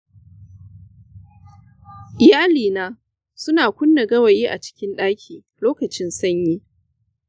iyalina suna kunna gawayi a cikin ɗaki lokacin sanyi.